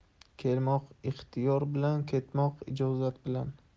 kelmoq ixtiyor bilan ketmoq ijozat bilan